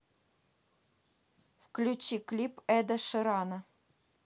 включи клип эда ширана